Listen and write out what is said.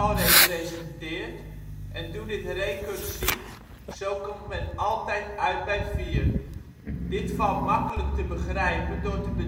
representeert en doe dit recursief, zo komt men altijd uit bij 4. Dit valt makkelijk te begrijpen door te